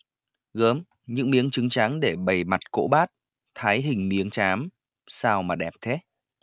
gớm những miếng trứng tráng để bày mặt cỗ bát thái hình miếng trám sao mà đẹp thế